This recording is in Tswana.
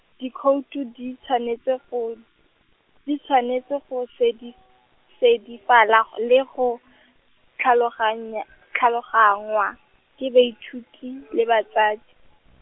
dikhoutu di tshwanetse go, di tshwanetse go sedi-, sedifala g- le go, tlhalogany- , tlhaloganya, ke baithuti, le batsadi.